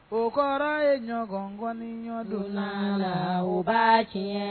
O kɔrɔ ye ɲɔgɔn mɔgɔɔni ɲɔdon la la o b'a kɛ